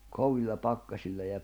kovilla pakkasilla ja